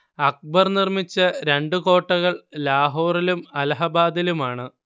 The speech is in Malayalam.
അക്ബർ നിർമിച്ച രണ്ടു കോട്ടകൾ ലാഹോറിലും അലഹബാദിലുമാണ്